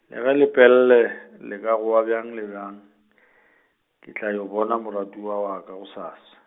le ge Lepelle, le ka goa bjang le bjang , ke tla yo bona moratiwa wa ka gosasa.